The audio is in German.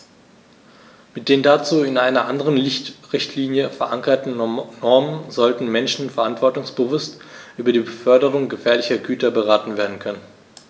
Mit den dazu in einer anderen Richtlinie, verankerten Normen sollten Menschen verantwortungsbewusst über die Beförderung gefährlicher Güter beraten werden können.